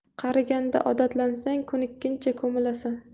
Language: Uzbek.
qariganda odatlansang ko'nikkancha ko'milasan